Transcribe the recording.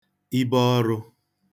ibeọrụ̄